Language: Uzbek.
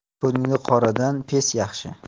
ko'ngli qoradan pes yaxshi